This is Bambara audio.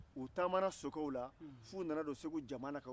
u taamana sokɛw la f'u nana don segu jamana kan